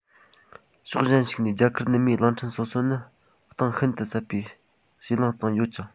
ཕྱོགས གཞན ཞིག ནས རྒྱ གར ནུབ མའི གླིང ཕྲན སོ སོ ནི གཏིང ཤིན ཏུ ཟབ པའི བྱེ གླིང སྟེང ཡོད ཅིང